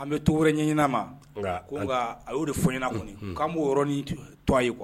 An bɛ to wɛrɛ ɲɛɲan ma ko nka a y'o de fɔn ɲɛna kunnafoni k an b'oɔrɔnin to ye kuwa